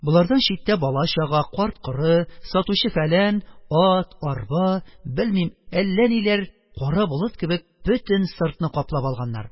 Болардан читтә балачага, карт-коры, сатучы-фәлән; ат, арба, белмим, әллә-ниләр кара болыт кебек бөтен сыртны каплап алганнар.